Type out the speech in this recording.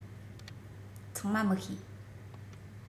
ཚང མ མི ཤེས